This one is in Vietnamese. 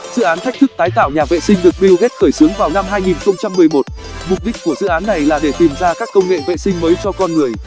dự án thách thức tái tạo nhà vệ sinh được bill gates khởi xướng vào năm mục đích của dự án này là để tìm ra các công nghệ vệ sinh mới cho con người